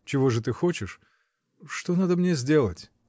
— Чего же ты хочешь: что надо мне сделать?.